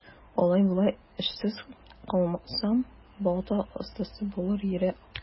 Алай-болай эшсез калсам, балта остасы булып йөри алам.